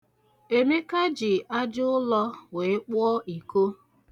Emeka ji aja ụlọ wee kpụọ iko.